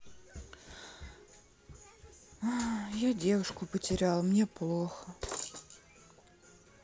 я девушку потерял мне плохо